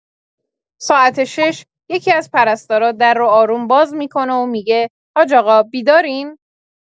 ساعت شش، یکی‌از پرستارا در رو آروم باز می‌کنه و می‌گه: حاج‌آقا، بیدارین؟